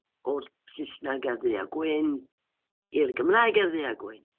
O'r Saesneg ar ddu a gwyn, i'r Gymraeg yn ddu a gwyn.